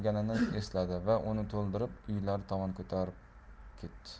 va uni to'ldirib uylari tomon ko'tarib ketdi